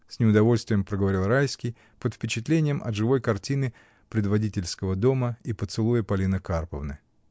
— с неудовольствием проговорил Райский, под впечатлением от живой картины предводительского дома и поцелуя Полины Карповны.